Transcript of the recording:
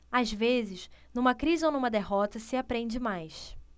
às vezes numa crise ou numa derrota se aprende mais